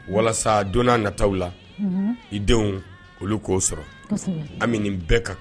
Walasa donna nataw la i denw olu k'o sɔrɔ an bɛ bɛɛ ka kan